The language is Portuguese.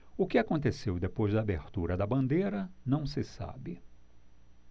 o que aconteceu depois da abertura da bandeira não se sabe